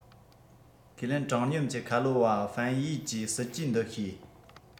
ཁས ལེན དྲང སྙོམས ཀྱི ཁ ལོ བ ཧྥན ཡུས གྱིས སྲིད ཇུས འདི ཤེས